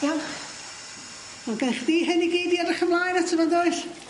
Iawn? Ma' gennych chdi hyn i gyd i edrych ymlaen ato fo yndoes?